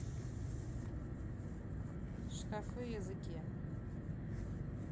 шкафы языке